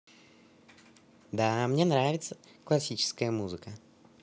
да мне нравится классическая музыка